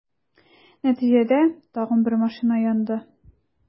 Нәтиҗәдә, тагын бер машина янды.